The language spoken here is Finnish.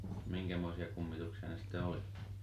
minkämoisia kummituksia ne sitten oli